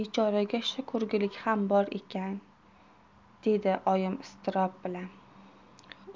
bechoraga shu ko'rgilik ham bor ekan dedi oyim iztirob bilan